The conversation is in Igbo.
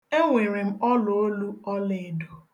Enwere m ọlaolu ọlaedo.